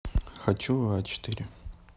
хочу а четыре